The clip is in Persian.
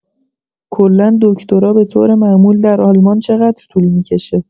کلا دکترا به‌طور معمول در المان چقدر طول می‌کشه؟